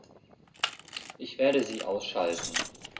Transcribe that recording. Ich werde sie ausschalten